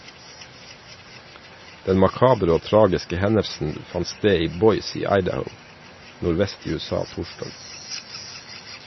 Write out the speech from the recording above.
Den makabre og tragiske hendelsen fant sted i Boise i Idaho, nordvest i USA, torsdag.